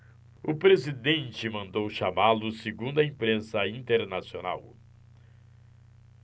o presidente mandou chamá-lo segundo a imprensa internacional